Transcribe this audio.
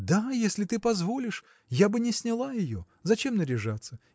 – Да, если ты позволишь, я бы не сняла ее. Зачем наряжаться?